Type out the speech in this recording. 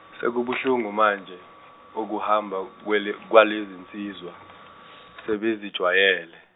sekubuhlungu manje ukuhamba kwele- kwalezi zinsizwa sebezejwayele.